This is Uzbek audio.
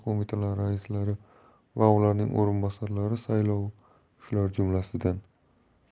qo'mitalari raislari va ularning o'rinbosarlari saylovi shular jumlasidan